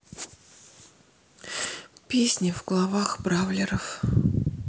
песни в головах бравлеров